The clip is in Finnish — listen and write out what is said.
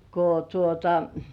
kun tuota